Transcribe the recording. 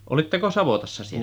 olitteko savotassa siellä